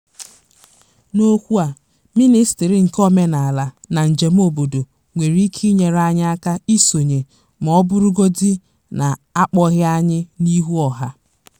N'okwu a, Minịstrị nke Omenanala na Njem obodo nwere ike inyere anyị aka isonye, ​​ma ọ bụrụgodị na a kpọghị anyị n'ihu ọha.